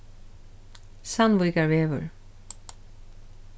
sandvíkarvegur